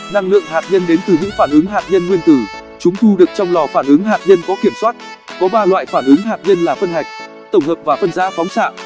năng lượng hạt nhân đến từ những phản ứng hạt nhân nguyên tử chúng thu được trong lò phản ứng hạt nhân có kiểm soát có ba loại phản ứng hạt nhân là phân hạch tổng hợp và phân rã phóng xạ